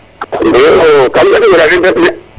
iyo kam beta den rek de